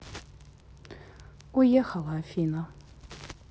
уехала афина